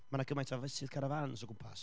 ma' 'na gymaint o faesydd carafans o gwmpas,